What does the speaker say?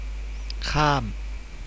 ข้าม